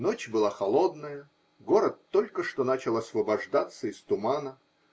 Ночь была холодная, город только что начал освобождаться из тумана.